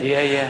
Ie ie.